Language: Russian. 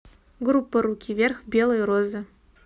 группа руки вверх белые розы